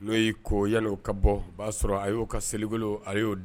N'o y'i ko yala ka bɔ b'a sɔrɔ a y'o ka selibolo a y'o